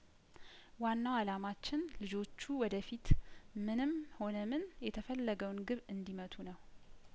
ዋናው አላማችን ልጆቹ ወደፊትምንም ሆነምን የተፈለገውን ግብ እንዲ መቱ ነው